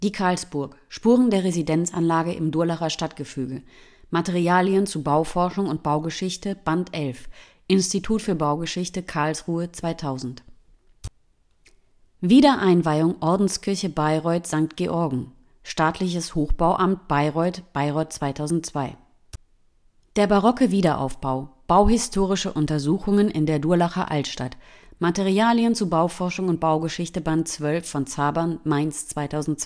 Karlsburg. Spuren der Residenzanlage im Durlacher Stadtgefüge (= Materialien zu Bauforschung und Baugeschichte, Band 11). Institut für Baugeschichte, Karlsruhe 2000 DNB 960715118. Wiedereinweihung Ordenskirche Bayreuth St. Georgen. Staatliches Hochbauamt Bayreuth, Bayreuth 2002 Der barocke Wiederaufbau. Bauhistorische Untersuchungen in der Durlacher Altstadt (Materialien zu Bauforschung und Baugeschichte, Bd. 12). von Zabern, Mainz 2002